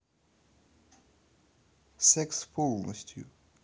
секс полностью